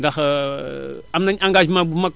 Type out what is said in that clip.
ndax am nañu engagement bu mag